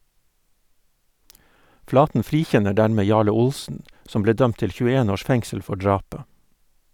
Flaten frikjenner dermed Jarle Olsen, som ble dømt til 21 års fengsel for drapet.